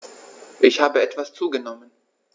Ich habe etwas zugenommen